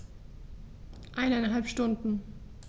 Eineinhalb Stunden